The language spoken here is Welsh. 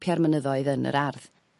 siapia'r mynyddoedd yn yr ardd.